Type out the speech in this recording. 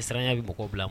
Ni sayaya bɛ bɔ k' bila